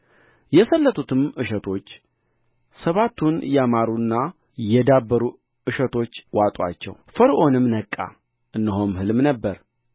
የሰለቱትም እሸቶች ሰባቱን ያማሩና የዳበሩ እሸቶች ዋጡአቸው ፈርዖንም ነቃ እነሆም ሕልም ነበረ